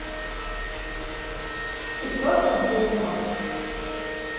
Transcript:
ты просто бомба